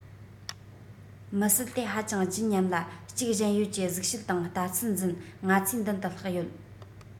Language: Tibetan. མི སྲིད དེ ཧ ཅང བརྗིད ཉམས ལ གཅིག གཞན ཡོད ཀྱི གཟུགས བྱད དང ལྟ ཚུལ འཛིན ང ཚོའི མདུན དུ ལྷགས ཡོད